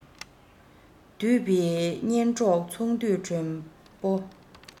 འདུས པའི གཉེན གྲོགས ཚོང འདུས མགྲོན པོ